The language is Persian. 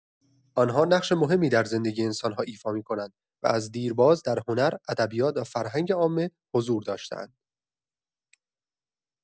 آنها نقش مهمی در زندگی انسان‌ها ایفا می‌کنند و از دیرباز در هنر، ادبیات و فرهنگ عامه حضور داشته‌اند.